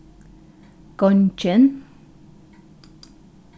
gongin